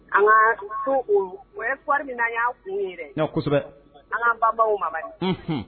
An ka to espoir min bɛ yen n'a y'a kun ye, kosɛbɛ, an banba o ma banni , unhun.